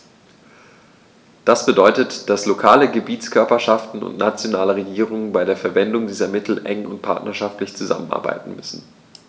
Das bedeutet, dass lokale Gebietskörperschaften und nationale Regierungen bei der Verwendung dieser Mittel eng und partnerschaftlich zusammenarbeiten müssen.